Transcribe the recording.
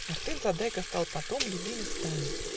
Мартын Задека стал потом Любимец Тани.